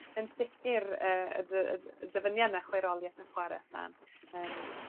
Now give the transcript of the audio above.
yn sicir yy y dy- y dyfyniad 'na chwaerolieth yn chware â thân yym